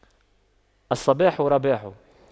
الصباح رباح